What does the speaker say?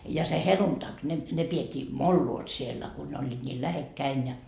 ja se helluntai ne ne pidettiin molloot siellä kun ne olivat niin lähekkäin ja